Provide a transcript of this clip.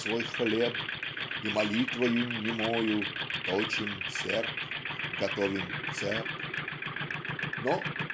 свой хлеб, и молитвою немою точим серп, готовим цеп" но